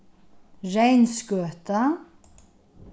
reynsgøta